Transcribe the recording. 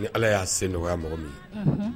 Ni ala y'a sen nɔgɔya o ye mɔgɔ min ye